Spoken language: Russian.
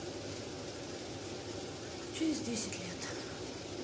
через десять лет